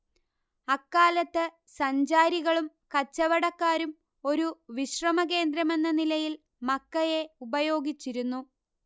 അക്കാലത്ത് സഞ്ചാരികളും കച്ചവടക്കാരും ഒരു വിശ്രമ കേന്ദ്രമെന്ന നിലയിൽ മക്കയെ ഉപയോഗിച്ചിരുന്നു